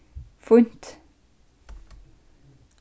fínt